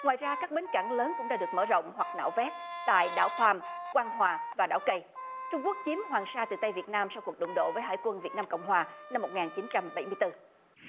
ngoài ra các bến cảng lớn cũng đã được mở rộng hoặc nạo vét tại đảo pam quan hòa và đảo cây trung quốc chiếm hoàng sa từ tay việt nam sau cuộc đụng độ với hải quân việt nam cộng hòa năm một ngàn chín trăm bảy mươi tư